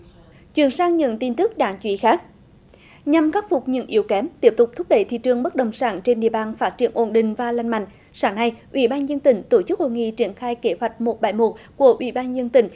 chuyển sang những tin tức đáng chú ý khác nhằm khắc phục những yếu kém tiếp tục thúc đẩy thị trường bất động sản trên địa bàn phát triển ổn định và lành mạnh sáng nay ủy ban nhân dân tỉnh tổ chức hội nghị triển khai kế hoạch một bảy một của ủy ban nhân dân tỉnh